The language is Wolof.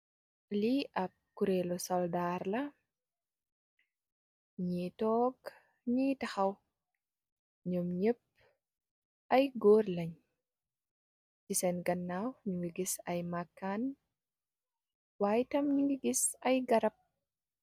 Lii ab kureelu soldaar la, ñii toog, ñii taxaw. Ñom ñeip ay goor lañge, seen ganaaw, ñu ngi gis ay makkaan, wy tamit, ñu ngi gis ay garab.